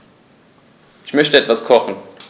Ich möchte etwas kochen.